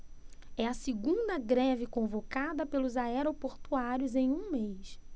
é a segunda greve convocada pelos aeroportuários em um mês